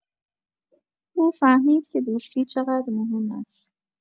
او فهمید که دوستی چقدر مهم است.